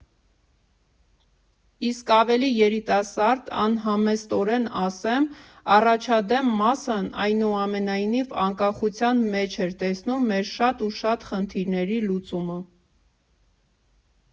Իսկ ավելի երիտասարդ, անհամեստորեն ասեմ՝ առաջադեմ մասն այնուամենայնիվ անկախության մեջ էր տեսնում մեր շատ ու շատ խնդիրների լուծումը։